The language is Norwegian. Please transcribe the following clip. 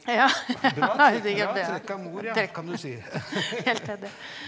ja , helt enig.